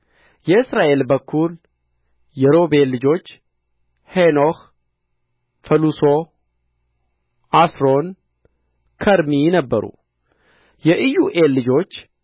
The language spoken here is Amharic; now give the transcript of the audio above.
የእስራኤል በኵር የሮቤል ልጆች ሄኖኅ ፈሉሶ አስሮን ከርሚ ነበሩ የኢዮኤል ልጆች